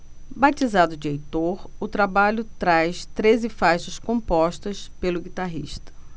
batizado de heitor o trabalho traz treze faixas compostas pelo guitarrista